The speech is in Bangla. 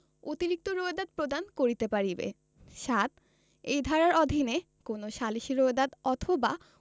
অতিরিক্ত রোয়েদাদ প্রদান করিতে পারিবে ৭ এই ধারার অধীনে কোন সালিসী রোয়েদাদ অথবা